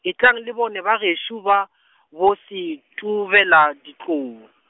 etlang le bone bagešo ba , boSethibeladitlou.